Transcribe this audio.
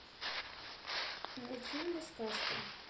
мультфильмы сказки